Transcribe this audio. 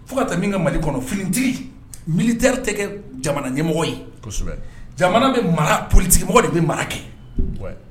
Fo ka taa min ka mali kɔnɔ finitigi militeri tɛ kɛ jamana ɲɛmɔgɔ ye jamana bɛ mara politigimɔgɔ de bɛ mara kɛ